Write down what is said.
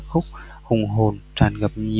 khúc ca hùng hồn tràn ngập niềm